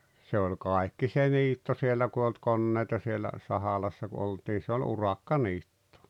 se oli kaikki se niitto siellä kun ei ollut koneita siellä Sahalassa kun oltiin se oli urakkaniitto